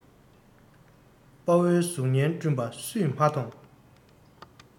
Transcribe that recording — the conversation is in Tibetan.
དཔའ བོའི གཟུགས བརྙན བསྐྲུན པ སུས མ མཐོང